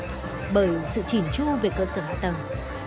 bởi sự chỉn chu về cơ sở hạ tầng